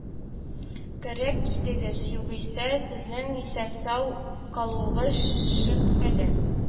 Кәрәк китегез, югыйсә сезнең исән-сау калуыгыз шөбһәле